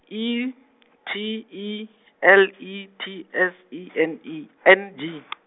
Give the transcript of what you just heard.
E, T E, L E T S E N E N G .